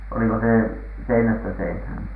oliko se seinästä seinään